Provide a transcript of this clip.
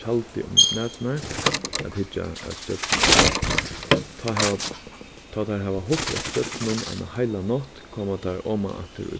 tjaldi um næturnar at hyggja at stjørnum tá hava tá teir hava hugt eftir stjørnunum eina heila nátt koma teir oman aftur í